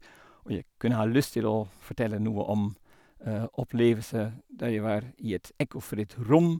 Og jeg kunne ha lyst til å fortelle noe om opplevelse da jeg var i et ekkofritt rom.